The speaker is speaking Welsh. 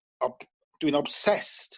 ob- dwi'n obsessed